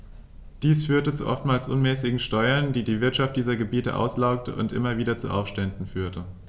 Dies führte zu oftmals unmäßigen Steuern, die die Wirtschaft dieser Gebiete auslaugte und immer wieder zu Aufständen führte.